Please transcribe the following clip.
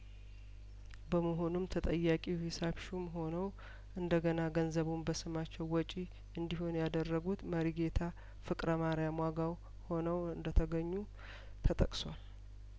በመሆኑም ተጠያቂው ሂሳብ ሹም ሆነው እንደገና ገንዘቡን በስማቸው ወጪ እንዲሆን ያደረጉት መሪጌታ ፍቅረ ማርያም ዋጋው ሆነው እንደተገኙ ተጠቅሷል